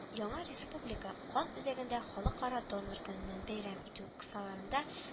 Яңа республика кан үзәгендә халыкара донор көнен бәйрәм итү кысаларында